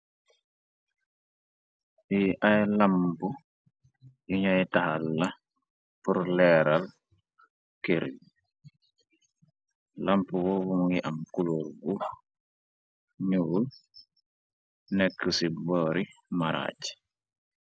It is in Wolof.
Yi ay lamb yu ñoy taxal la purleeral kër lamp wowu ngi am kuloogu ñuwul nekk ci boori maraaj.